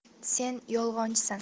sen yolg'onchisan